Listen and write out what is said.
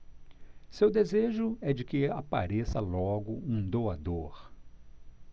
seu desejo é de que apareça logo um doador